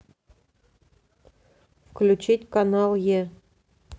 включить канал е